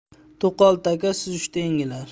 to'qol taka suzishda yengilar